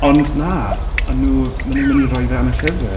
Ond na, o' nhw... maen nhw myn' i roi fe yn y llyfr.